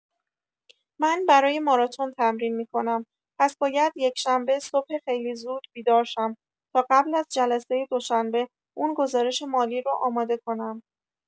من برای ماراتن تمرین می‌کنم، پس باید یکشنبه صبح خیلی زود بیدار شم تا قبل از جلسه دوشنبه اون گزارش مالی رو آماده کنم.